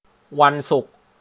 วันศุกร์